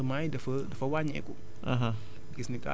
day gis ni carrément rendements yi dafa dafa wàññeeku